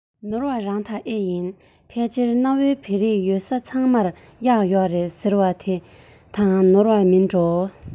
ནོར བ རང ད ཨེ ཡིན ཕལ ཆེར གནའ བོའི བོད རིགས ཡོད ས ཚང མར གཡག ཡོད རེད ཟེར བ དེ དང ནོར བ མིན འགྲོ